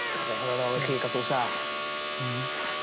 Wnai roi hwnna nôl i chi gadw'n saff. Hmm.